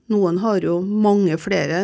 noen har jo mange flere.